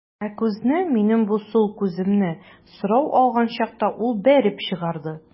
Ә күзне, минем бу сул күземне, сорау алган чакта ул бәреп чыгарды.